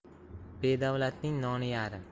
bedavlatning noni yarim